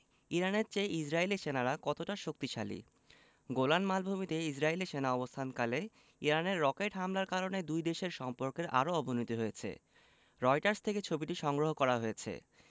ইরানের চেয়ে ইসরায়েলি সেনারা কতটা শক্তিশালী গোলান মালভূমিতে ইসরায়েলি সেনা অবস্থানকালে ইরানের রকেট হামলার কারণে দুই দেশের সম্পর্কের আরও অবনতি হয়েছে রয়টার্স থেকে ছবিটি সংগ্রহ করা হয়েছে